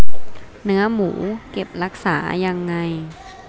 เนื้อหมูเก็บรักษายังไง